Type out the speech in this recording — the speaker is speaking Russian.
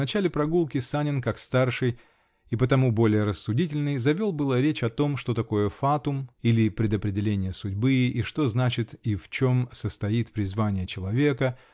В начале прогулки Санин, -- как старший и потому более рассудительный, завел было речь о том, что такое фатум, или предопределение судьбы, и что значит и в чем состоит призвание человека